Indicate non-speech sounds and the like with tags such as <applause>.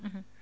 <hesitation> <hesitation>